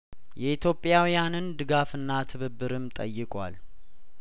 የኢትዮጵያውያንን ድጋፍና ትብብርም ጠይቋል